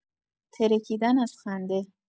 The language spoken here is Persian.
ترکیدن از خنده